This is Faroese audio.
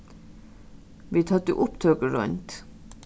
vit høvdu upptøkuroynd